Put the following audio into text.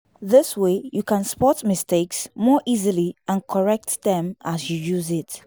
This way, you can spot mistakes more easily and correct them as you use it.